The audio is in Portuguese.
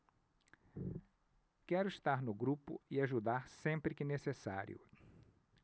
quero estar no grupo e ajudar sempre que necessário